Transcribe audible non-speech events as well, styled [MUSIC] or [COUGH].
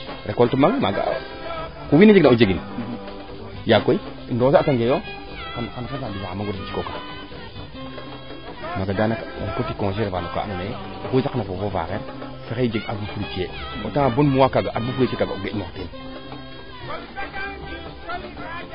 recolte maak maaga wino wiin o jegum yaag koy [UNINTELLIGIBLE] maaga daal projet na refa ma ando naye oxu saq na projet paaxer [UNINTELLIGIBLE] o reta nga bo mois kaaga andiro ne o fi kan [UNINTELLIGIBLE] [MUSIC]